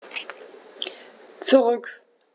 Zurück.